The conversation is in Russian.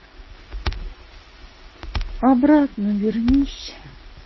обратно вернись